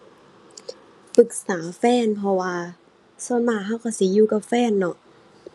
ปรึกษาแฟน เพราะว่าส่วนมากเราเราสิอยู่กับแฟนเนาะ